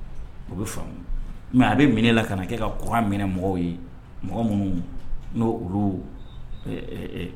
O be faamu mais a be min'e la kana kɛ ka courant mɛnɛ mɔgɔw ye mɔgɔ munnu n'o olu ɛ ɛ ɛ